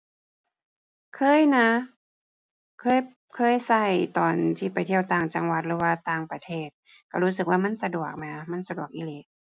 เคยนะ เคย เคยใช้ตอนที่ไปเที่ยวต่างจังหวัดหรือว่าต่างประเทศ ใช้รู้สึกว่ามันสะดวกแหม มันสะดวกอีหลี